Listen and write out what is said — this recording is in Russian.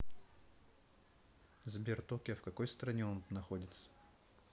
сбер токио в какой стране он находится